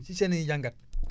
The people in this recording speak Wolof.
si seen i jàngat